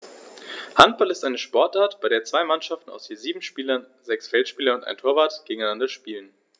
Handball ist eine Sportart, bei der zwei Mannschaften aus je sieben Spielern (sechs Feldspieler und ein Torwart) gegeneinander spielen.